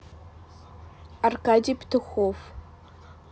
аркадий петухов